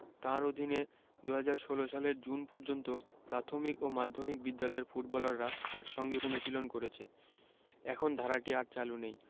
তাঁর অধীনে ২০১৬ সালের জুন পর্যন্ত প্রাথমিক ও মাধ্যমিক বিদ্যালয়ের ফুটবলাররা একসঙ্গে অনুশীলন করেছে এখন ধারাটি আর চালু নেই